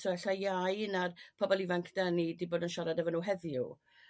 so ella iau na'r pobol ifanc dyn ni 'di bod yn siarad efo nhw heddiw.